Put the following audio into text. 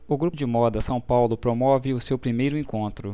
o grupo de moda são paulo promove o seu primeiro encontro